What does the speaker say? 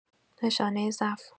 نشانۀ ضعف